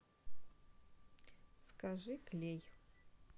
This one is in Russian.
скажи клей